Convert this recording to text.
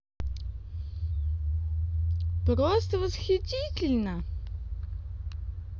просто восхитительно